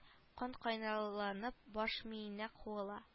Кан кайнарланып баш миенә куыла